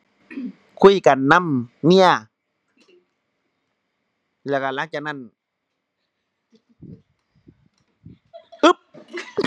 คุยกันนำเมีย แล้วก็หลังจากนั้น